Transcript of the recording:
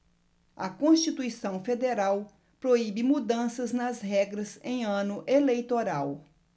a constituição federal proíbe mudanças nas regras em ano eleitoral